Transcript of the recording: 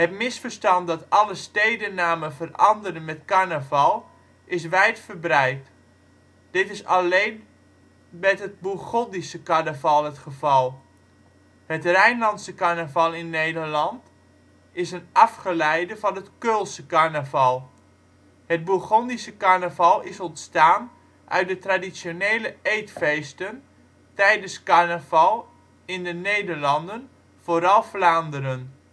misverstand dat alle stedennamen veranderen met carnaval is wijdverbreid; dit is alleen met het Bourgondische carnaval het geval. Het Rijnlandse carnaval in Nederland is een afgeleide van het Keulse carnaval. Het Bourgondische carnaval is ontstaan uit de traditionele eetfeesten tijdens carnaval in de Nederlanden; vooral Vlaanderen